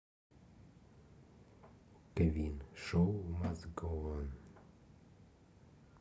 квин шоу маст гоу он